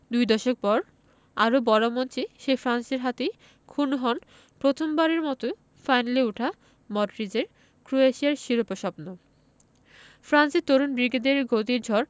দুই দশক পর আরও বড় মঞ্চে সেই ফ্রান্সের হাতেই খুন হল প্রথমবারের মতো ফাইনালে ওঠা মডরিচের ক্রোয়েশিয়ার শিরোপা স্বপ্ন ফ্রান্সের তরুণ ব্রিগেডের গতির ঝড়